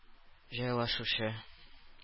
Җайлашучы